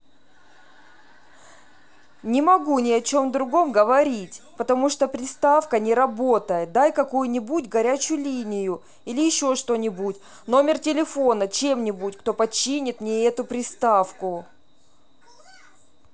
не могу ни о чем другом говорить потому что приставка не работает дай какую нибудь горячую линию или еще что нибудь номер телефона чем нибудь кто починит мне эту приставку